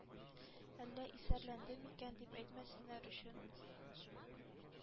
Әллә исәрләнде микән“, дип әйтмәсеннәр өчен